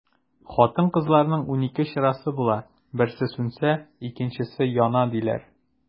Хатын-кызларның унике чырасы була, берсе сүнсә, икенчесе яна, диләр.